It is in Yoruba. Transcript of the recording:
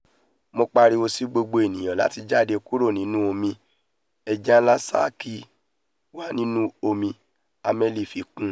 'Mo pariwo sí gbogbo eniyan láti jáde kúrò nínú omi náà: 'Ẹja ńlá sáàki wà nínú omi!'' Hammel fi kún un.